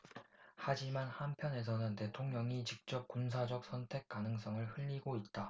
하지만 한편에서는 대통령이 직접 군사적 선택 가능성을 흘리고 있다